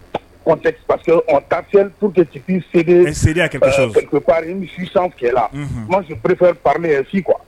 Fipketiere sisan fɛla masipme si kuwa